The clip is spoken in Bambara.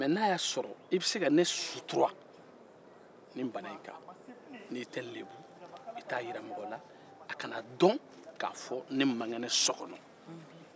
mɛ n'a y'a sɔrɔ i bɛ se ka ne sutura nin bana kan n'i tɛ n lebu a kana dɔn k'a fɔ ne man kɛnɛ so kɔnɔ